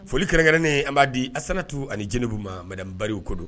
Foli kɛrɛnnen an b'a di asatu ani ni jenibu ma mabariw ko don